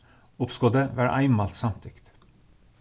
uppskotið var einmælt samtykt